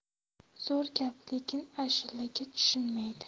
zo'r gap lekin ashulaga tushmaydi